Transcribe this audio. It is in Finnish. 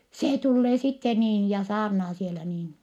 se tulee sitten niin ja saarnaa siellä niin